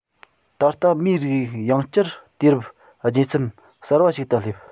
ད ལྟ མིའི རིགས ཡང བསྐྱར དུས རབས བརྗེ མཚམས གསར པ ཞིག ཏུ སླེབས